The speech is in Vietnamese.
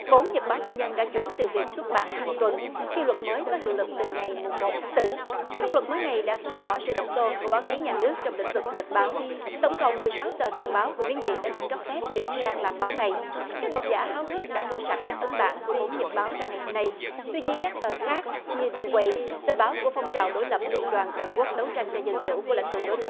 bốn nhật báo tư nhân đã chuyển từ việc xuất bản hàng tuần khi luật mới có hiệu lực từ ngày mùng một tháng tư các luật mới này đã xóa bỏ sự độc tôn của báo chí nhà nước trong lĩnh vực nhật báo tổng cộng mười sáu tờ tuần báo của miến điện đã được cấp phép chuyển sang làm báo ngay các độc giả háo hức đã mua sạch các ấn bản của bốn nhật báo ra ngày hôm nay tuy nhiên các tờ khác như đi quây tờ báo của phong trào đối lập liên đoàn toàn quốc đấu tranh cho dân chủ của lãnh tụ đối lập